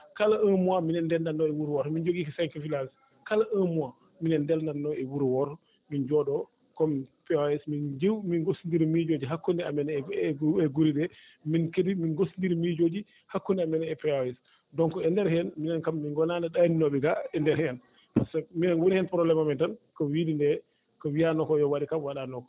kala un mois minen ndeendatnoo e wuro wooto min jogii ko cinq villages kala un mois minen ndenndatnoo e wuro wooto min njooɗo comme POAS min jew min gossonndira miijooji hakkunde amen e gure ɗee min kadi min gostonndira miijooji hakkunde amen e POAS donc e ndeer heen minen kam min ngonaani ɗaaninooɓe gaa e ndeer heen par ce que minen woni heen probléme amen tan ko wiide ndee ko wiyanoo koo yo waɗe kam waaɗanooka